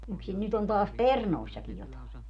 yksin nyt on taas perunoissakin jotakin